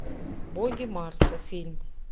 боги марса фильм